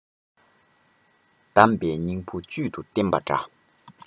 གདམས པའི སྙིང བོ བཅུད དུ བསྟེན པ འདྲ